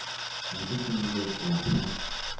Җилле көнне юлчыларны